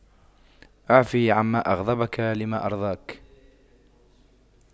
اعف عما أغضبك لما أرضاك